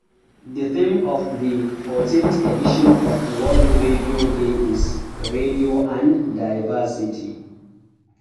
The theme of the 14th edition of World Radio Day is "Radio and Diversity."